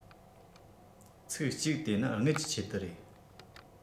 ཚིག གཅིག དེ ནི དངུལ གྱི ཆེད དུ རེད